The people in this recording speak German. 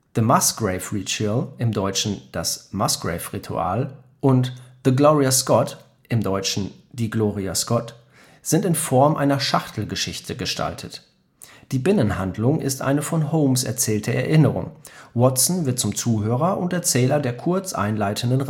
The Musgrave Ritual (dt: Das Musgrave-Ritual) und The Gloria Scott (dt.: Die Gloria Scott) sind in Form einer Schachtelgeschichte gestaltet: die Binnenhandlung ist eine von Holmes erzählte Erinnerung, Watson wird zum Zuhörer und Erzähler der kurz einleitenden